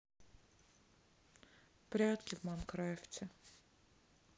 прятки в майнкрафте